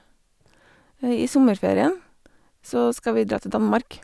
I sommerferien så skal vi dra til Danmark.